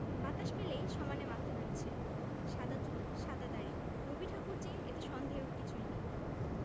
বাতাস পেলেই সমানে মাথা নাড়ছে সাদা চুল সাদা দাড়ি রবিঠাকুর যে এতে সন্দেহের কিছুই নেই